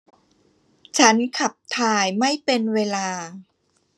ฉันขับถ่ายไม่เป็นเวลา